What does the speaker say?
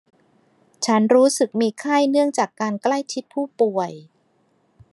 ฉันรู้สึกมีไข้เนื่องจากการใกล้ชิดผู้ป่วย